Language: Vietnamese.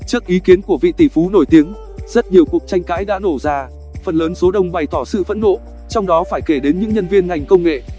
trước ý kiến của vị tỷ phú nổi tiếng rất nhiều cuộc tranh cãi đã nổ ra phần lớn số đông bày tỏ sự phẫn nộ trong đó phải kể đến những nhân viên ngành công nghệ